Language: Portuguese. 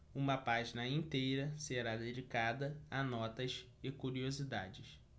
uma página inteira será dedicada a notas e curiosidades